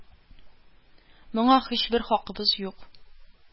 Моңа һичбер хакыбыз юк.